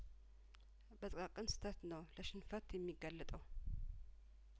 በጥቃቅን ስህተት ነው ለሽንፈት የሚጋለጠው